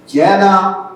Tiɲɛ na